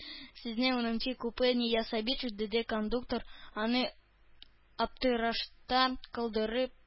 Сезнең унынчы купе, Нияз Сабитович, диде кондуктор, аны аптырашта калдырып.